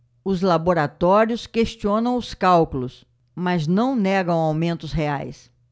os laboratórios questionam os cálculos mas não negam aumentos reais